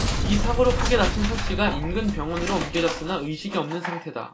이 사고로 크게 다친 서씨가 인근 병원으로 옮겨졌으나 의식이 없는 상태다